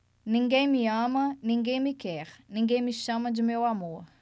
ninguém me ama ninguém me quer ninguém me chama de meu amor